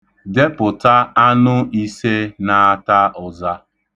Depụta anụ ise na-ata ụza.